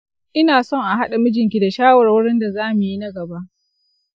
ina son a haɗa mijinki a shawarwarin da za mu yi na gaba.